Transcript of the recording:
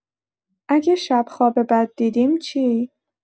اگه شب خواب بد دیدیم چی؟